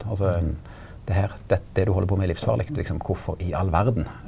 altså det her det du held på med er livsfarleg liksom korfor i all verden?